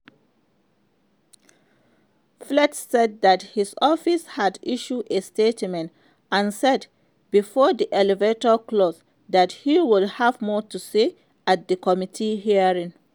Flake said that his office had issued a statement and said, before the elevator closed, that he would have more to say at the committee hearing.